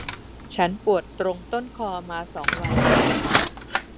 ฉันปวดตรงต้นคอมาสองวันแล้ว